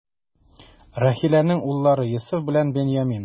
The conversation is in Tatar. Рахиләнең уллары: Йосыф белән Беньямин.